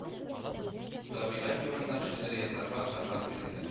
Табигать турында шигырь язарга заказ бирделәр